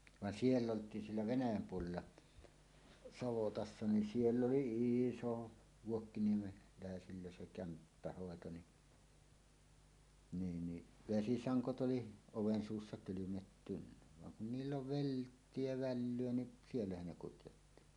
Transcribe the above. vaan siellä oltiin siellä Venäjän puolella savotassa niin siellä oli iso vuokkiniemeläisillä se kämppähoito niin niin niin vesisangot oli oven suussa kylmettynyt vaan kun niillä oli vilttiä ja vällyä niin siellähän ne kutjotti